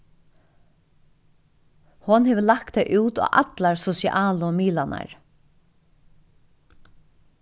hon hevur lagt tað út á allar sosialu miðlarnar